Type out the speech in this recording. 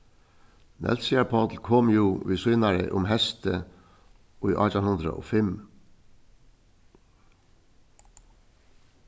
nólsoyar páll kom jú við sínari um heystið í átjan hundrað og fimm